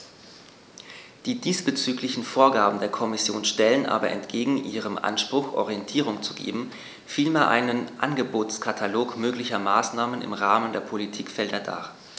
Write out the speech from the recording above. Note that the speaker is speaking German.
Die diesbezüglichen Vorgaben der Kommission stellen aber entgegen ihrem Anspruch, Orientierung zu geben, vielmehr einen Angebotskatalog möglicher Maßnahmen im Rahmen der Politikfelder dar.